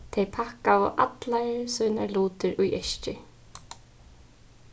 tey pakkaðu allar sínar lutir í eskjur